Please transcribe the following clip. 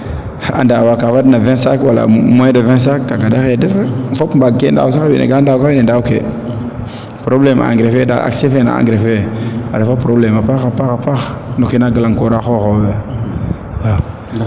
a daawa ka fadna 20 sacs wala moin de 20 sacs kaaga ɗaxe den dara fop mbaag ke ndaaw sax wene ga ndaaw ka wene ndaaw ke probleme engrais fe daal acces fee engrais fee a refa probleme a paax a paax noke na galang koora xoxoox we waaw